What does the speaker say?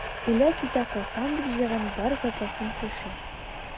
Үлә-китә калсам дип җыйган бар запасым шушы.